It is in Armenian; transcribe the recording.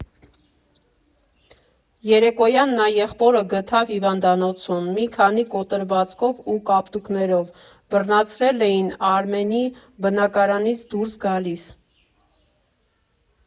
Երեկոյան նա եղբորը գտավ հիվանդանոցում՝ մի քանի կոտրվածքով ու կապտուկներով՝ բռնացրել էին Արմիենի բնակարանից դուրս գալիս։